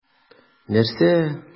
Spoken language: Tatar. Нәрсә?!